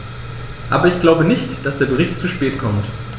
Aber ich glaube nicht, dass der Bericht zu spät kommt.